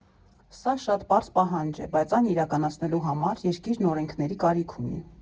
Սա շատ պարզ պահանջ է, բայց այն իրականացնելու համար երկիրն օրենքների կարիք ունի։